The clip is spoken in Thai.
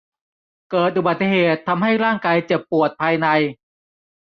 เกิดอุบัติเหตุทำให้ร่างกายเจ็บปวดภายใน